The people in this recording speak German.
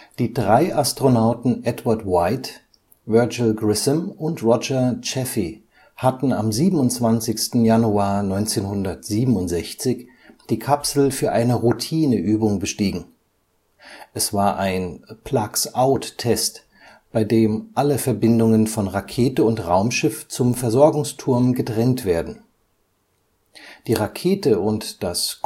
Die drei Astronauten Edward H. White, Virgil I. Grissom und Roger B. Chaffee hatten am 27. Januar 1967 die Kapsel (S/C 012) für eine Routineübung bestiegen. Es war ein Plugs-Out-Test, bei dem alle Verbindungen von Rakete und Raumschiff zum Versorgungsturm getrennt werden. Die Rakete und das